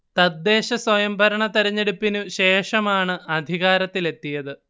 തദ്ദേശ സ്വയംഭരണ തെരഞ്ഞെടുപ്പിനു ശേഷമാണ് അധികാരത്തിലെത്തിയത്